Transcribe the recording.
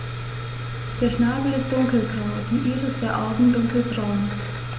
Der Schnabel ist dunkelgrau, die Iris der Augen dunkelbraun.